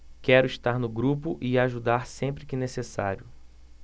quero estar no grupo e ajudar sempre que necessário